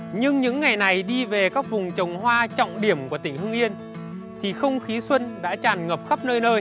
nhưng những ngày này đi về các vùng trồng hoa trọng điểm của tỉnh hưng yên thì không khí xuân đã tràn ngập khắp nơi nơi